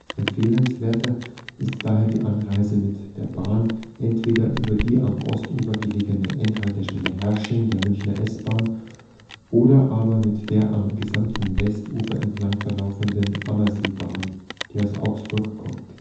Empfehlenswerter ist daher die Anreise mit der Bahn, entweder über die am Ostufer gelegene Endhaltestelle Herrsching der Münchner S-Bahn oder aber mit der am gesamten Westufer entlang verlaufenden Ammerseebahn, die aus Augsburg kommt